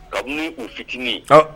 Kabini u fitinin an